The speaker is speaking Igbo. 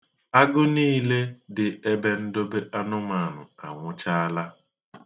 Agụ niile dị ebe ndobe anụmanụ anwụchaala.